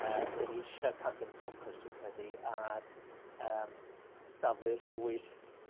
yrr 'dyn ni isia cadw'n ffocws dwi'n credu, ar yrm daflu'r rhwyd